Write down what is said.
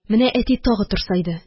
Менә әти тагы турсайды.